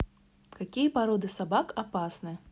какие породы собак опасны